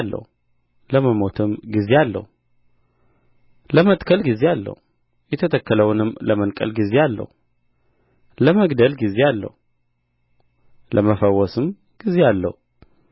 ለመሞትም ጊዜ አለው ለመትከል ጊዜ አለው የተተከለውንም ለመንቀል ጊዜ አለው ለመግደል ጊዜ አለው ለመፈወስም ጊዜ አለው